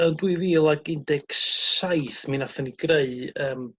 yn dwy fil ag undeg saith mi nathon ni greu yym